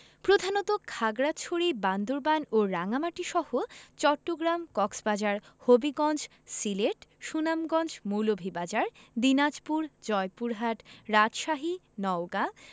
প্রধানত খাগড়াছড়ি বান্দরবান ও রাঙ্গামাটিসহ চট্টগ্রাম কক্সবাজার হবিগঞ্জ সিলেট সুনামগঞ্জ মৌলভীবাজার দিনাজপুর জয়পুরহাট রাজশাহী নওগাঁ